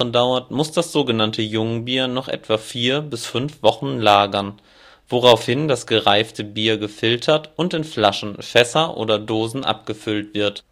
dauert, muss das sogenannte Jungbier noch etwa 4 bis 5 Wochen lagern, woraufhin das gereifte Bier gefiltert und in Flaschen, Fässer oder Dosen abgefüllt wird